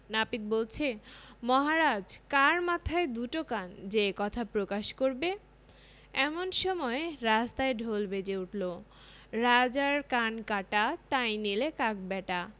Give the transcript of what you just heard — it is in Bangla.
নাপিত বলছে মহারাজ কার মাথায় দুটো কান যে এ কথা প্রকাশ করবে এমন সময় রাস্তায় ঢোল বেজে উঠল ‘রাজার কান কাটা তাই নিলে কাক ব্যাটা